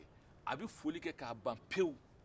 a bɛ foli kɛ k'a ban pewu